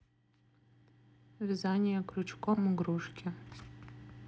вязание крючком игрушки